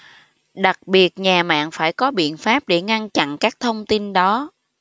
đặc biệt nhà mạng phải có biện pháp để ngăn chặn các thông tin đó